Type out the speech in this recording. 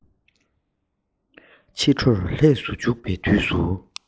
མཱེ མཱེ ཞེས སྐད ཆེན པོ བརྒྱབ པ ཡིན